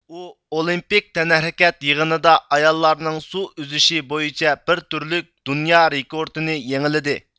ئۇ ئولىمپىك تەنھەرىكەت يىغىنىدا ئاياللارنىڭ سۇ ئۈزۈشى بويىچە بىر تۈرلۈك دۇنيا رېكورتىنى يېڭىلىدى